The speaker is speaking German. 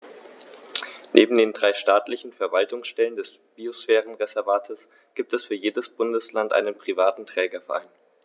Neben den drei staatlichen Verwaltungsstellen des Biosphärenreservates gibt es für jedes Bundesland einen privaten Trägerverein.